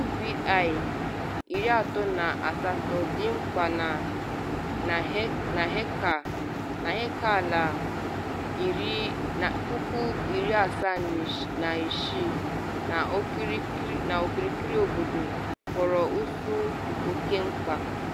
ubi 38 dị mkpa na hectare ala 76,000 n’okirikiri obodo, kpọrọ ụsụ oke mkpa.